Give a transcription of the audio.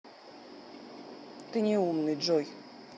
ты не умный джой